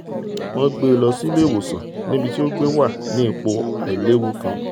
Wọ́n gbé e lọsí ilé-ìwòsàn níbití ó gbé wà ní ipò ''àìléwu'' kan.